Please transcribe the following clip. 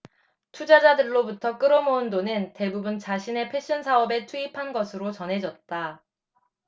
투자자들로부터 끌어모은 돈은 대부분 자신의 패션사업에 투입한 것으로 전해졌다